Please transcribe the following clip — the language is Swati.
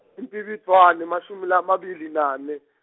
imbibidvwane mashumi lamabili nane.